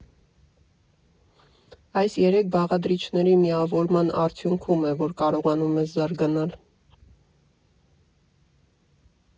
Այս երեք բաղադրիչների միավորման արդյունքում է, որ կարողանում ես զարգանալ։